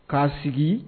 K'a sigi